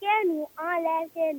Se ninnu an le se